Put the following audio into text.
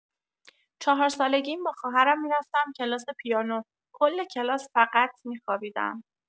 ۴ سالگیم با خواهرم می‌رفتم کلاس پیانو، کل کلاس فقط می‌خوابیدم.